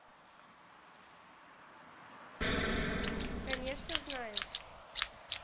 конечно знаешь